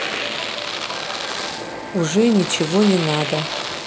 уже ничего не надо